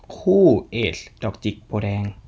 คู่เอซดอกจิกโพธิ์แดง